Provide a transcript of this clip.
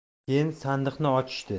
keyin sandiqni ochishdi